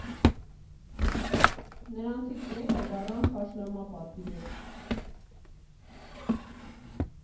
Նրանցից մեկը գառան խաշլամա պատվիրեց։